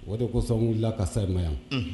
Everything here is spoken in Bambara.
O de ko san wulila ka sema yan